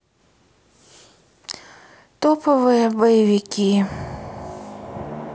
топовые боевики